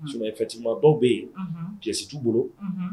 Sinon effectivement dɔw bɛ yen, unhun, pièces t'u bolo.